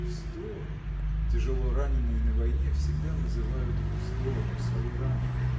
вздору?" (Тяжело раненные на войне всегда называют "вздором" свои раны.